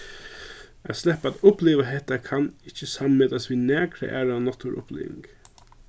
at sleppa at uppliva hetta kann ikki sammetast við nakra aðra náttúruuppliving